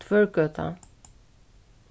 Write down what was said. tvørgøta